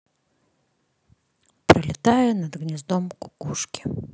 пролетая над гнездом кукушки